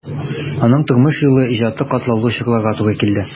Аның тормыш юлы, иҗаты катлаулы чорларга туры килде.